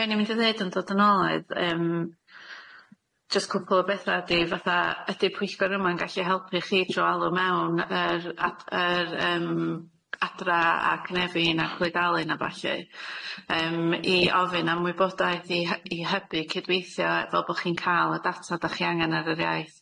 Be o ni'n mynd i ddeud yn dod yn ôl odd yym jyst cwpwl o betha ydi fatha ydi pwyllgor yma'n gallu helpu chi tro alw mewn yr ad- yr yym adra a cnefin a clwydalen a ballu yym i ofyn am wybodaeth i hy- i hybu cydweithio fel bo' chi'n ca'l y data dach chi angan ar yr iaith?